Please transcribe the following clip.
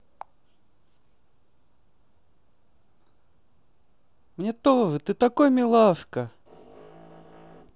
мне тоже ты такой милашка